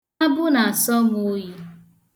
Abụ na-asọ mụ oyi.